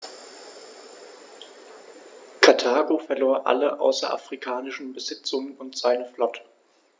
Karthago verlor alle außerafrikanischen Besitzungen und seine Flotte.